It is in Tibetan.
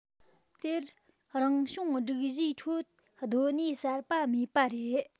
དེར རང བྱུང སྒྲིག གཞིའི ཁྲོད སྡོད གནས གསར པ མེད པ རེད